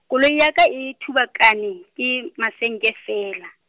koloi ya ka e, thuakane , ke, masenke feela.